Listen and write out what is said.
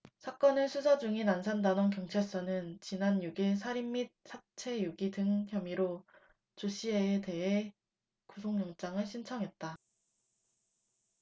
사건을 수사중인 안산단원경찰서는 지난 육 일 살인 및 사체유기 등 혐의로 조씨에 대해 구속영장을 신청했다